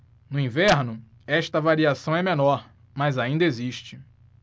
no inverno esta variação é menor mas ainda existe